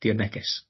Di'r neges.